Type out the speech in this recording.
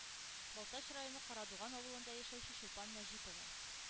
Балтач районы Карадуган авылында яшәүче Чулпан Нәҗипова.